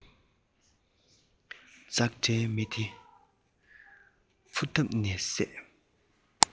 ཙག སྒྲའི མེ དེར ཕུ བཏབ ནས བསད